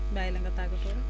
bàyyi la nga tàggatoo rek